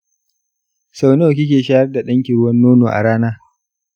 sau nawa kike shayar da danki ruwan nono a rana?